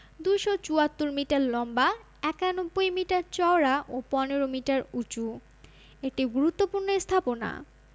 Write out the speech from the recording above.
২৭৪ metre লম্বা ৯১ metre চওড়া ও ১৫ মিটার উঁচু একটি গুরুত্বপূর্ণ স্থাপনা